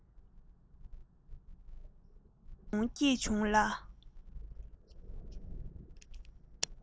སྐྱིད བྱུང སྐྱིད བྱུང ལ